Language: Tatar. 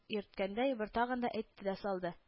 Йөрткәндәй, бер тагын да әйтте дә салды: